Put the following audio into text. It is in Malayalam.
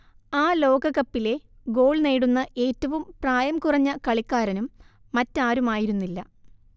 ആ ലോകകപ്പിലെ ഗോൾ നേടുന്ന ഏറ്റവും പ്രായം കുറഞ്ഞ കളിക്കാരനും മറ്റാരുമായിരുന്നില്ല